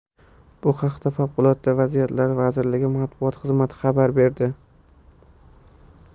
bu haqda favqulodda vaziyatlar vazirligi matbuot xizmati xabar berdi